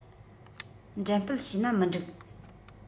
འགྲེམས སྤེལ བྱས ན མི འགྲིག